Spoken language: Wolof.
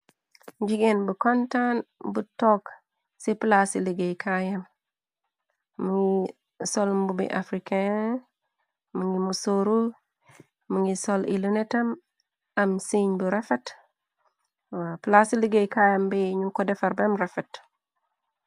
Gigain bu contan bu tok cii plassi legaye kaayam, mu sol mbubi african, mungy musorru, mungy sol e lunehtam, am siingh bu rafet, waw plassi legaye kaayam bii njung kor defar bem rafet.